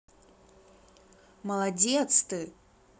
молодец ты